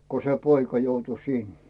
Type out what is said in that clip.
kun se poika joutui sinne